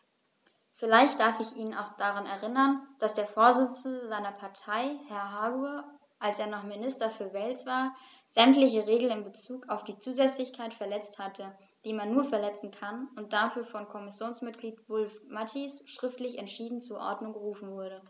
Vielleicht darf ich ihn auch daran erinnern, dass der Vorsitzende seiner Partei, Herr Hague, als er noch Minister für Wales war, sämtliche Regeln in bezug auf die Zusätzlichkeit verletzt hat, die man nur verletzen kann, und dafür von Kommissionsmitglied Wulf-Mathies schriftlich entschieden zur Ordnung gerufen wurde.